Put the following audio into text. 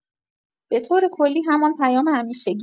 به‌طور کلی، همان پیام همیشگی